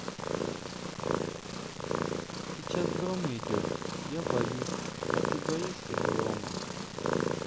сейчас гром идет я боюсь а ты боишься грома